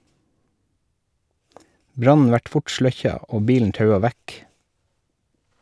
Brannen vart fort sløkkja og bilen taua vekk.